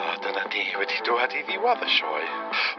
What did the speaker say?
A dyna di wedi dwan i ddiwadd y sioe.